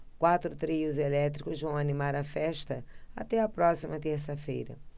quatro trios elétricos vão animar a festa até a próxima terça-feira